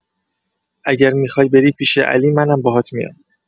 اگر می‌خوای بری پیش علی منم باهات میام